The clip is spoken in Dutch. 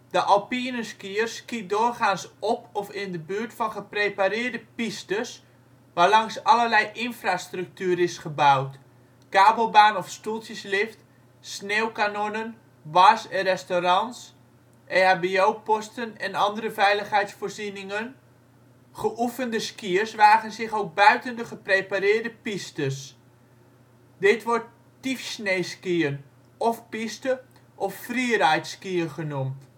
De alpineskiër skiet doorgaans op of in de buurt van geprepareerde pistes, waarlangs allerlei infrastructuur is gebouwd: kabelbaan of stoeltjeslift, sneeuwkanonnen, bars en restaurants, EHBO-posten en andere veiligheidsvoorzieningen. Geoefende skiërs wagen zich ook buiten de geprepareerde pistes. Dit wordt " tiefschnee-skiën "," off-piste " of " freeride-skiën " genoemd